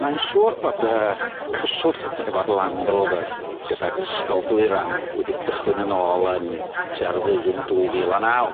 Mae'n siŵr bod y cyswllt efo'r Land Rover gydag Ysgol Dwyran wedi cychwyn yn ôl yn tua'r flwyddyn dwy fil a naw.